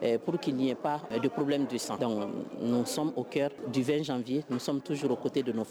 Ɛɛ pur que ye ba de ku kulubali min de san mu o kɛra 20fi muur koote don nɔfɛ